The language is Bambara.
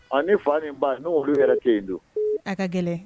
A ni fa ni ba n' olu yɛrɛ ten yen don a ka gɛlɛn